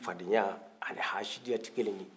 fadenye ani hasidiya tɛ kelen ye